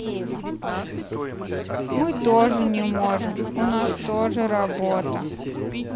мы тоже не можем у нас тоже работа